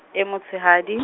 e motshehadi .